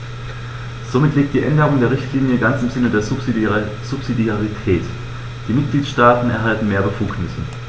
Somit liegt die Änderung der Richtlinie ganz im Sinne der Subsidiarität; die Mitgliedstaaten erhalten mehr Befugnisse.